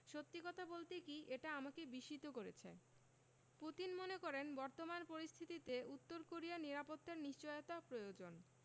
সত্যি কথা বলতে কি এটা আমাকে বিস্মিত করেছে পুতিন মনে করেন বর্তমান পরিস্থিতিতে উত্তর কোরিয়ার নিরাপত্তার নিশ্চয়তা প্রয়োজন